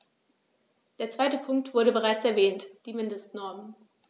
Der zweite Punkt wurde bereits erwähnt: die Mindestnormen.